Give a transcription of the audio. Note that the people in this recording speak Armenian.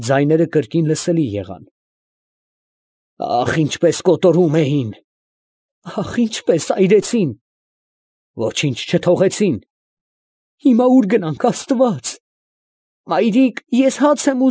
Ձայները կրկին լսելի եղան. ֊ Ա՜խ, ինչպես կոտորում էին… ֊ Ա՜խ, ինչպես այրեցին… ֊ Ոչինչ չթողեցին… ֊ Հիմա ո՜ւր գնանք… աստվա՛ծ…. ֊ Մայրիկ, ես հաց եմ։